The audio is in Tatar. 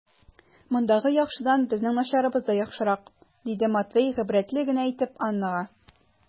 Мондагы яхшыдан безнең начарыбыз да яхшырак, - диде Матвей гыйбрәтле генә итеп Аннага.